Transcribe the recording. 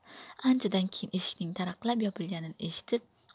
anchadan keyin eshikning taraqlab yopilganini eshitib